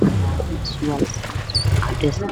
cagaar ah ciise